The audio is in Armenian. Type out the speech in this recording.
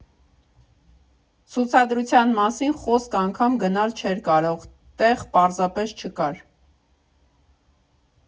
Ցուցադրության մասին խոսք անգամ գնալ չէր կարող՝ տեղ պարզապես չկար։